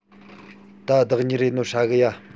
ད བདག གཉེར ཡས ནོ ཧྲ ནོ གི